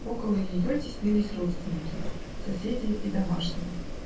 Около ее теснились родственники, соседи и домашние.